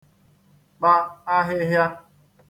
kpa ahịhịā